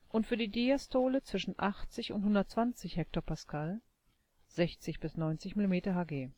und für die Diastole zwischen 80 und 120 hPa (60 – 90 mmHg